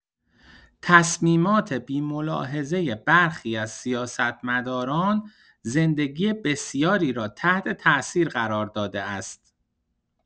تصمیمات بی‌ملاحظه برخی از سیاستمداران زندگی بسیاری را تحت‌تأثیر قرار داده است.